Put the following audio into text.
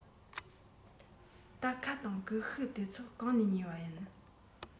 སྟར ཁ དང ཀུ ཤུ དེ ཚོ གང ནས ཉོས པ ཡིན